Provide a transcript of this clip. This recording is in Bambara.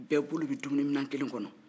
bɛɛ bolo bɛ dumuni minan kelen kɔnɔ